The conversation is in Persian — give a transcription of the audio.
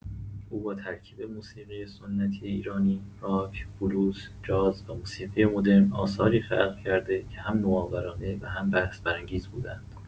او با ترکیب موسیقی سنتی ایرانی، راک، بلوز، جاز و موسیقی مدرن، آثاری خلق کرده که هم نوآورانه و هم بحث‌برانگیز بوده‌اند.